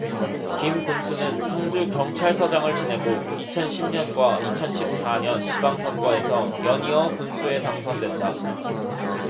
김 군수는 성주경찰서장을 지내고 이천 십 년과 이천 십 사 년 지방선거에서 연이어 군수에 당선됐다